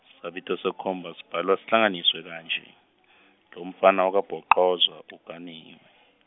sabito sekukhomba sibhalwa sihlanganiswe kanje, lomfana wakaBhocoza , uganiwe.